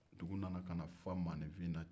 dugu nana ka na fa maanifin na